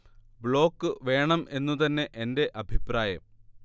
block വേണം എന്നു തന്നെ എന്റെ അഭിപ്രായം